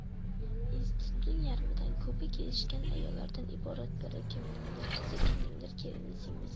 institutning yarmidan ko'pi kelishgan ayollardan iborat biri kimningdir qizi kimningdir kelini singlisi